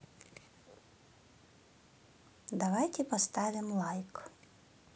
давайте поставим лайк